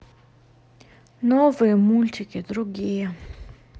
новые мультики другие